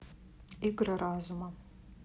игры разума